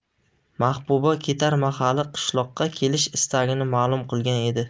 mahbuba ketar mahali qishloqqa kelish istagini malum qilgan edi